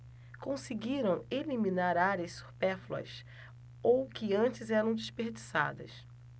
conseguiram eliminar áreas supérfluas ou que antes eram desperdiçadas